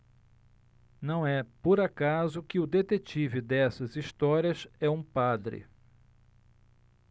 não é por acaso que o detetive dessas histórias é um padre